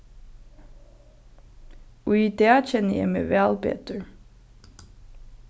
í dag kenni eg meg væl betur